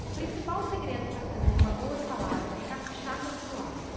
o principal segredo para fazer uma boa salada é caprichar no visual